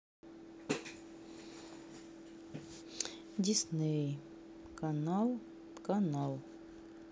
дисней канал канал